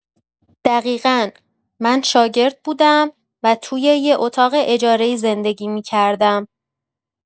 دقیقا، من شاگرد بودم و توی یه اتاق اجاره‌ای زندگی می‌کردم.